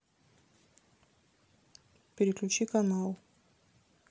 переключи канал